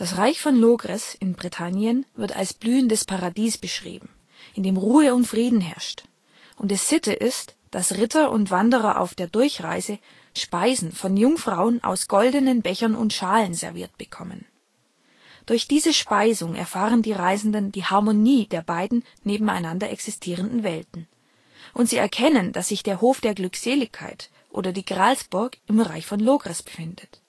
Reich von Logres (in Britannien) wird als blühendes Paradies beschrieben, in dem Ruhe und Frieden herrscht und es Sitte ist, dass Ritter und Wanderer auf der Durchreise Speisen von Jungfrauen aus goldenen Bechern und Schalen serviert bekommen. Durch diese Speisung erfahren die Reisenden die Harmonie der beiden nebeneinander existierenden Welten, und sie erkennen, dass sich der Hof der Glückseligkeit oder die Gralsburg im Reich von Logres befindet